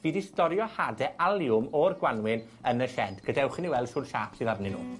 fi 'di storio hadau aliwm o'r Gwanwyn yn y sied. Gadewch i ni weld swhd siâp sydd arnyn nw.